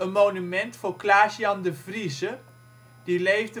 monument voor Klaas Jan de Vrieze (1836-30